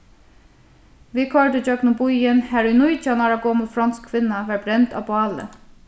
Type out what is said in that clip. vit koyrdu ígjøgnum býin har ið nítjan ára gomul fronsk kvinna varð brend á báli